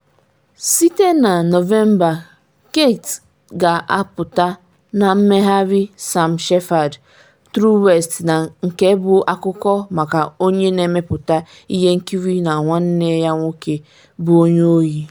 Site na na Novemba Kit ga-apụta na mmegharị Sam Shepard True West nke bụ akụkọ maka onye na-emepụta ihe nkiri na nwanne ya nwoke, bụ onye ohi.